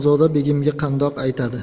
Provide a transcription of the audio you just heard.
xonzoda begimga qandoq aytadi